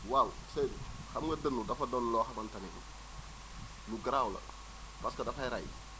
waaw Seydou xam nga dënnu dafa doo loo xamante ni lu garaaw la parce que dafay rey